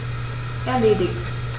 Erledigt.